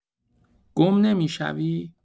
گم نمی‌شوی.